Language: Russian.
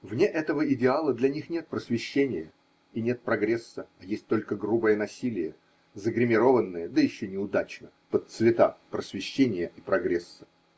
Вне этого идеала для них нет просвещения и нет прогресса, а есть только грубое насилие, загримированное (да еще неудачно) под цвета просвещения и прогресса.